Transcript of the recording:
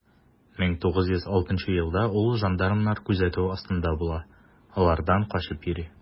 1906 елда ул жандармнар күзәтүе астында була, алардан качып йөри.